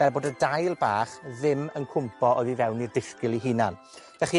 fel bod y dail bach ddim yn cwmpo oddi fewn i'r disgyl 'i hunan. Felly,